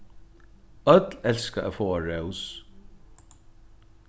øll elska at fáa rós